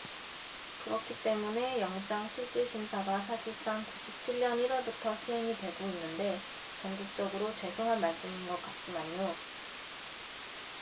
그렇기 때문에 영장실질심사가 사실상 구십 칠 년 일 월부터 시행이 되고 있는데 전국적으로 죄송한 말씀인 것 같지만요